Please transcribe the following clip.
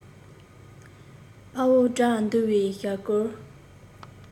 དཔའ བོ དགྲ འདུལ བའི ཞབས བསྐུལ